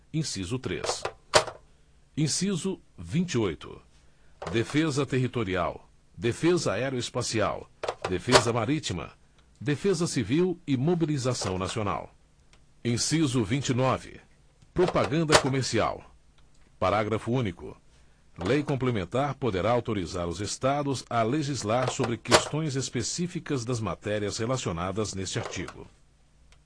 inciso três inciso vinte e oito defesa territorial defesa aeroespacial defesa marítima defesa civil e mobilização nacional inciso vinte e nove propaganda comercial parágrafo único lei complementar poderá autorizar os estados a legislar sobre questões específicas das matérias relacionadas neste artigo